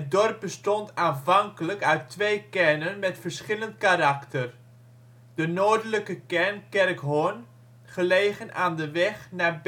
dorp bestond aanvankelijk uit twee kernen met verschillend karakter. De noordelijke kern Kerkhorn, gelegen aan de weg naar